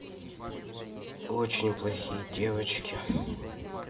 очень плохие девочки